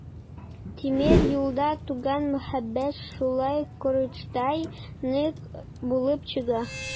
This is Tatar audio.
Тимер юлда туган мәхәббәт шулай корычтай нык булып чыга.